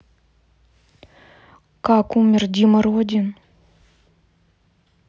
как умер дима родин